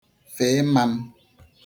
fe mmām